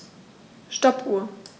Stoppuhr.